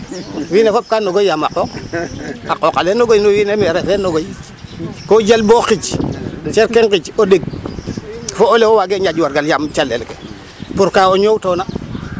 wiin we fop ga nogoy yaam a qooq a qooq ale nogoynu in ndaa refee nogoy ko jal bo xij certe nqij o ndeng fo oy lewe waagee ñaaƴ wargal yaam calel ke pour ka ñoowtoona.